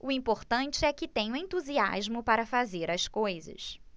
o importante é que tenho entusiasmo para fazer as coisas